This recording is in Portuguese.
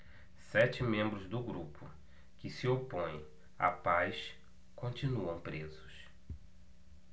sete membros do grupo que se opõe à paz continuam presos